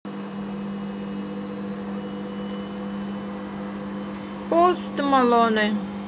post malone